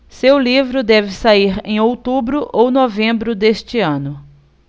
seu livro deve sair em outubro ou novembro deste ano